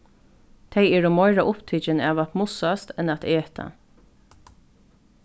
tey eru meira upptikin av at mussast enn at eta